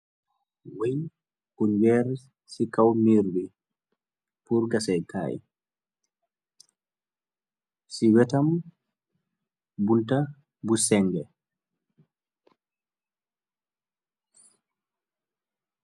Wënn bu ngèr ci kaw mirr bi, purr gasèkaay. Ci wëtam bunta bu sèngè.